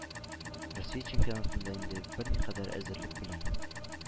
Россия чемпионатында инде берникадәр әзерлек белән